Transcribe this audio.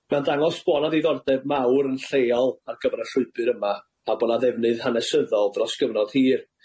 Mae o'n dangos bo' 'na ddiddordeb mawr yn lleol ar gyfer y llwybyr yma, a bo' 'na ddefnydd hanesyddol dros gyfnod hir.